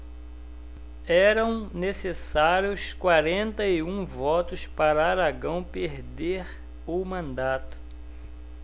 eram necessários quarenta e um votos para aragão perder o mandato